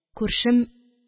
Күршем